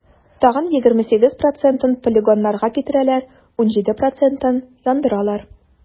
Тагын 28 процентын полигоннарга китерәләр, 17 процентын - яндыралар.